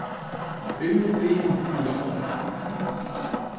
vit mugu biðja onkran hjálpa teimum